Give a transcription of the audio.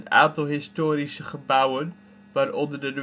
aantal historische gebouwen, waaronder de